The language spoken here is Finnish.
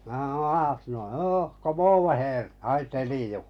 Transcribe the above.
minä sanoin aasnoi hoo komoovo heer hai teliju